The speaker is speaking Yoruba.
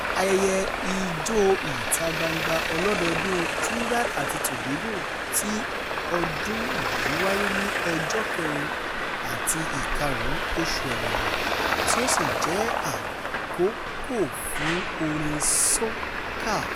Ayẹyẹ ijó ìta-gbangba ọlọ́dọọdún Trinidad àti Tobago tí ọdún yìí wáyé ní ọjọ́ 4 àti 5 oṣù Ẹrẹ́nà, tí ó sì jẹ́ àkókò fún orin soca.